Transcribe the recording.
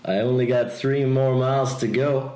"I only got three more miles to go".